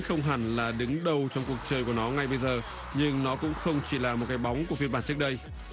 không hẳn là đứng đầu trong cuộc chơi của nó ngay bây giờ nhưng nó cũng không chỉ là một cái bóng của phiên bản trước đây